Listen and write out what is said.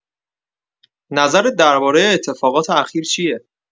نظرت درباره اتفاقات اخیر چیه؟